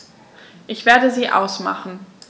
Ich werde sie ausmachen.